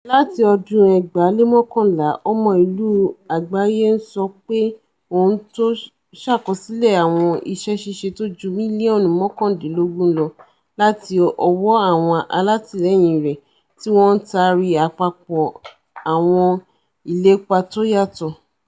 Láti ọdún 2011, Ọmọ Ìlú Àgbáyé ńsọ pé òun to ṣàkọsílẹ̀ ''àwọn iṣẹ́ ṣíṣe'' tó ju mílíọ̀nù mọ́kàndínlógún lọ láti ọwọ́ àwọn alàtìlẹ́yìn rẹ̀, tíwọn ńtaari àpapọ̀ àwọn ìlépa tóyàtọ̀.